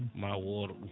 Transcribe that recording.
ma wooro ɗum